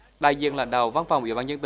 đại diện lãnh đạo văn phòng ủy ban nhân